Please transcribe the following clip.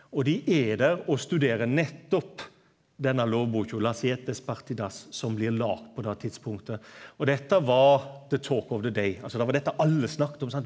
og dei er der og studerer nettopp denne lovboka som blir laga på dette tidspunktet og dette var , altså det var dette alle snakka om sant.